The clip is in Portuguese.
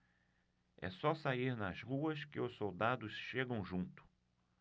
é só sair nas ruas que os soldados chegam junto